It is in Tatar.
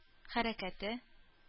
Хәрәкәте